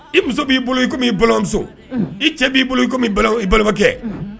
I muso b'i bolo i komi i bolomuso i cɛ b'i bolo i i balimabakɛ